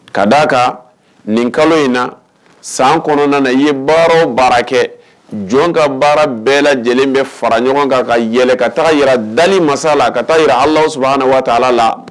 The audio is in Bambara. Ka d' a kan nin kalo in na san kɔnɔna na ye baara baara kɛ jɔn ka baara bɛɛ lajɛlen bɛ fara ɲɔgɔn kan ka yɛlɛ ka taga yi da masa la ka taa ala waati ala la